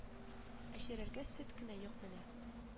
Эчерергә сөт кенә юк менә